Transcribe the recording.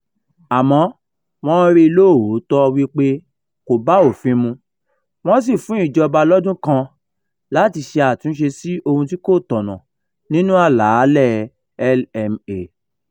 Àmọ́ wọ́n rí i lóòótọ́ wípé kò bá òfin mu wọ́n sì fún ìjọba lọ́dún kan láti ṣe àtúnṣe sí ohun tí kò tọ̀nà nínú àlàálẹ̀ LMA.